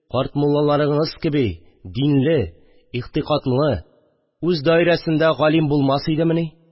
Карт мулларыңыз кеби динле, игътикадлы, үз даирәсендә галим булмас идемени